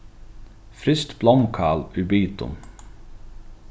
fryst blómkál í bitum